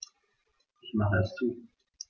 Ich mache es zu.